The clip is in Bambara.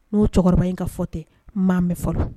N'o cɛkɔrɔba in ka fɔ ten maa bɛ fɔlɔ